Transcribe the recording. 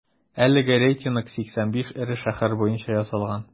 Әлеге рейтинг 85 эре шәһәр буенча ясалган.